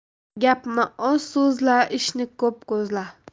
gapni oz so'zla ishni ko'p ko'zla